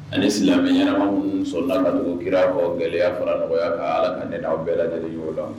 Ani silamɛ ɲɛna musola ka dugu kira fɔ gɛlɛyaya fara nɔgɔya ka ala ka n'aw bɛɛ la lajɛlen cogo la